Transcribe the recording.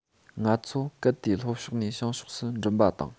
ང ཚོ གལ ཏེ ལྷོ ཕྱོགས ནས བྱང ཕྱོགས སུ འགྲིམ པ དང